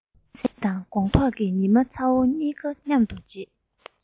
ཟས དང དགོང ཐོག གི ཉི མ ཚ བོ གཉིས ཀ མཉམ དུ བརྗེད